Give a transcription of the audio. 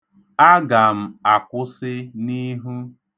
Aga m akwụsị n'ihu.